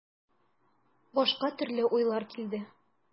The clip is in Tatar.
Башка төрле уйлар килде.